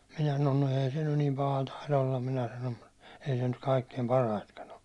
minä sanon no ei se nyt niin paha taida olla minä sanon mutta ei se nyt kaikkein parhaitakaan ole